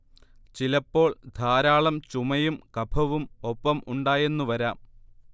ചിലപ്പോൾ ധാരാളം ചുമയും കഫവും ഒപ്പം ഉണ്ടായെന്ന് വരാം